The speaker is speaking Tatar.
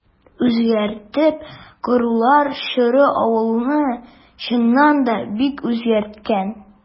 Үзгәртеп корулар чоры авылны, чыннан да, бик үзгәрткән.